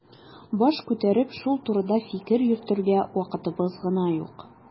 Баш күтәреп шул турыда фикер йөртергә вакытыбыз гына юк.